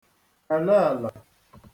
ẹlàẹlà